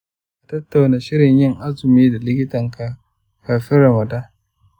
ka tattauna shirin yin azumi da likitanka kafin ramadan.